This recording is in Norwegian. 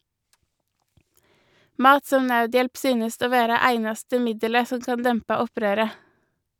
Mat som naudhjelp synest å vera einaste middelet som kan dempa opprøret.